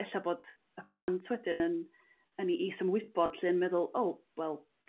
e'lla' bod y plant wedyn yn yn 'u is-ymwybod 'lly yn meddwl o wel